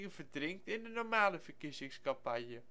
verdrinkt in de normale verkiezingscampagne